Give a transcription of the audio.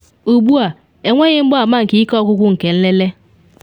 Ugbu a, enweghị mgbama nke ike ọgwụgwụ nke nlele.